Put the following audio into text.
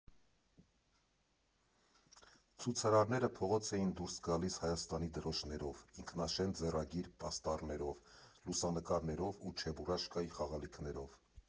Ցուցարարները փողոց էին դուրս գալիս Հայաստանի դրոշներով, ինքնաշեն ձեռագիր պաստառներով, լուսանկարներով ու Չեբուռաշկայի խաղալիքներով։